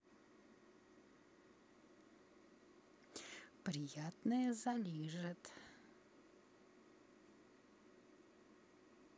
приятная залижет